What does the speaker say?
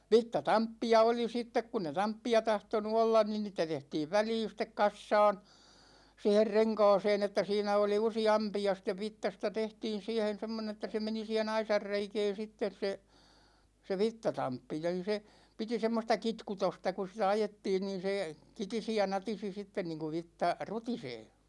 vitsatamppeja oli sitten kun ei tamppeja tahtonut olla niin niitä tehtiin väliin sitten kasaan siihen renkaaseen että siinä oli useampia sitten vitsasta tehtiin siihen semmoinen että se meni siihen aisan reikään sitten se se vitsatamppi ja niin se piti semmoista kitkutusta kun sitä ajettiin niin se kitisi ja natisi sitten niin kuin vitsa rutisee